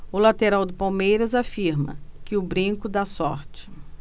o lateral do palmeiras afirma que o brinco dá sorte